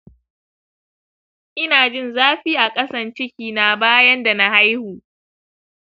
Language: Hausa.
inajin zafi a kasan ciki na bayan dana haihu